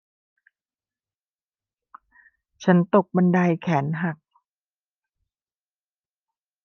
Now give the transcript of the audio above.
ฉันตกบันไดแขนหัก